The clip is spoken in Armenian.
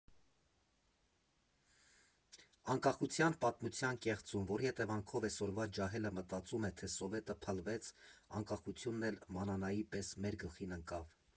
Անկախության պատմության կեղծում, որի հետևանքով էսօրվա ջահելը մտածում է, թե Սովետը փլվեց, Անկախությունն էլ մանանայի պես մեր գլխին ընկավ։